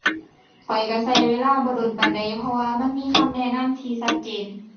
ข้อยก็ก็เวลาบ่โดนปานใด เพราะว่ามันมีคำแนะนำที่ก็เจน